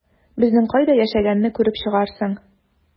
Безнең кайда яшәгәнне күреп чыгарсың...